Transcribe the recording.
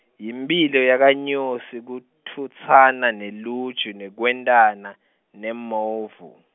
Yimphilo yakanyosi kutfutsana neluju, nekwentana, nemovu.